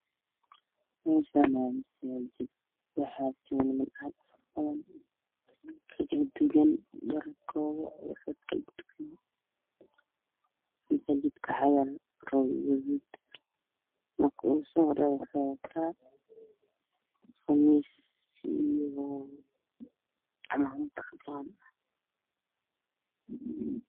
Meshan wamasajid waxajoga dad Aadufarobadan kayaraduban dhakaladuban masajidkawaxayaalo rog gaduud ninka ugasohorey waxu wata qamis iyo camamad cadaan ah